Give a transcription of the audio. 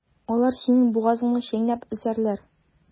Алар синең бугазыңны чәйнәп өзәрләр.